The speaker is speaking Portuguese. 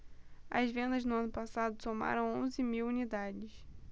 as vendas no ano passado somaram onze mil unidades